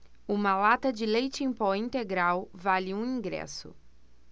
uma lata de leite em pó integral vale um ingresso